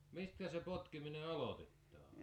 mistä se potkiminen aloitetaan